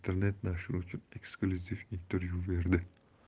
daryo internet nashri uchun eksklyuziv intervyu berdi